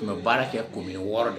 Tun bɛ baara kɛ tun bɛ wɔɔrɔ de